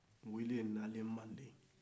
olu de nana manden